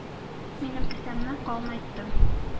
Минем кесәмне калынайтты.